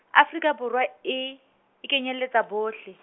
Afrika Borwa e, e kenyeletsa bohle.